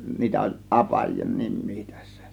niitä oli apajien nimiä tässä